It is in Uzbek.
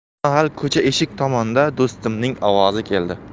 bir mahal ko'cha eshik tomonda do'stimning ovozi keldi